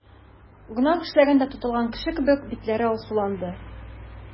Гөнаһ эшләгәндә тотылган кеше кебек, битләре алсуланды.